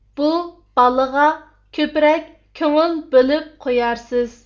بۇ بالىغا كۆپرەك كۆڭۈل بۆلۈپ قويارسىز